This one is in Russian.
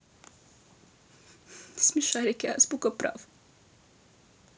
смешарики азбука прав